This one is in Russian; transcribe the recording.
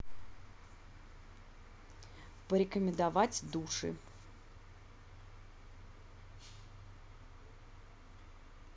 порекомендовать души